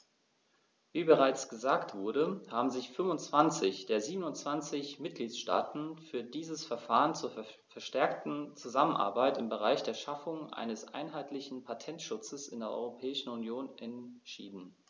Wie bereits gesagt wurde, haben sich 25 der 27 Mitgliedstaaten für dieses Verfahren zur verstärkten Zusammenarbeit im Bereich der Schaffung eines einheitlichen Patentschutzes in der Europäischen Union entschieden.